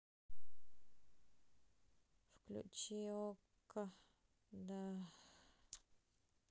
включи окко да